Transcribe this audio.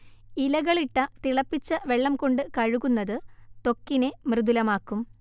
ഇലകളിട്ട തിളപ്പിച്ച വെള്ളം കൊണ്ടു കഴുകുന്നത് ത്വക്കിനെ മൃദുലമാക്കും